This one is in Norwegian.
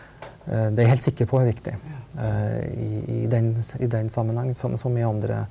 det er jeg helt sikker på er viktig i i den i den sammenhengen sånn som i andre.